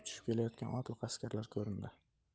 tushib kelayotgan otliq askarlar ko'rindi